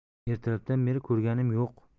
ertalabdan beri ko'rganim yo'q